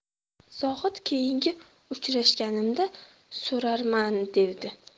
zohid keyingi uchrashganimda so'rarman devdi